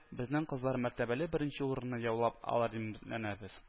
Безнең кызлар мәртәбәле беренче урынны яулап ала дим өметләнәбез